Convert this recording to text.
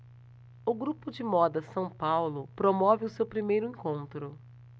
o grupo de moda são paulo promove o seu primeiro encontro